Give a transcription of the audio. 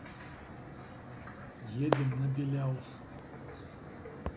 едем на беляус